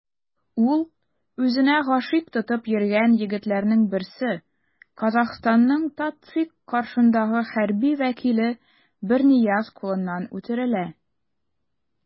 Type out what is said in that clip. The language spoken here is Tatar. Ул үзенә гашыйк тотып йөргән егетләрнең берсе - Казахстанның ТатЦИК каршындагы хәрби вәкиле Бернияз кулыннан үтерелә.